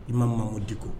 I ma maaw degun